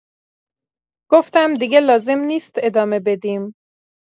گفتم: «دیگه لازم نیست ادامه بدیم.»